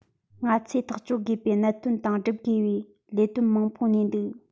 ང ཚོས ཐག གཅོད དགོས པའི གནད དོན དང བསྒྲུབ དགོས པའི ལས དོན མང པོ གནས འདུག